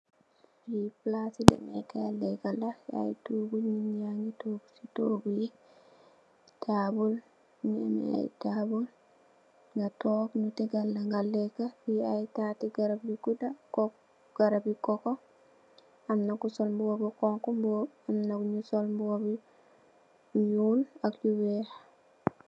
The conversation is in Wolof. Lii palaas i demee kaay leeka la, ay toggu, nit ñaa ngi togg si toggu yi, taabul, ñu ngi amee taabul, nga togg ñu teggal la nga leeka. Fii ay garab yu gudda, garab i kokko. Am na ku sol mbuba bu xoñxu, am na ku sol mbuba bu ñuul, ak yu weex.